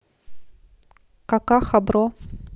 какаха бро